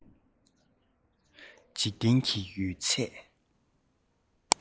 འཇིག རྟེན གྱི ཡོད ཚད